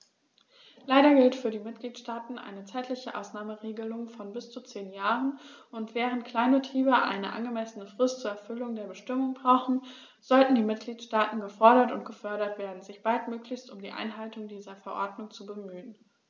Leider gilt für die Mitgliedstaaten eine zeitliche Ausnahmeregelung von bis zu zehn Jahren, und, während Kleinbetriebe eine angemessene Frist zur Erfüllung der Bestimmungen brauchen, sollten die Mitgliedstaaten gefordert und gefördert werden, sich baldmöglichst um die Einhaltung dieser Verordnung zu bemühen.